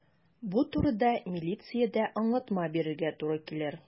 Бу турыда милициядә аңлатма бирергә туры килер.